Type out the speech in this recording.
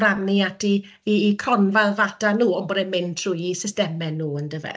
cyfrannu at 'u 'u 'u cronfa ddata nhw ond bod e'n mynd trwy eu systemau nhw yndyfe.